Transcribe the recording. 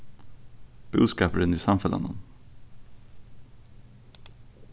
búskapurin í samfelagnum